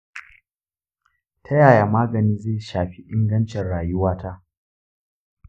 ta yaya magani zai shafi ingancin rayuwata?